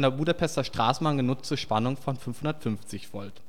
Budapester Straßenbahn genutzte Spannung von 550 Volt